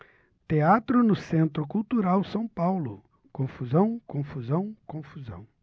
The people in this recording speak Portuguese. teatro no centro cultural são paulo confusão confusão confusão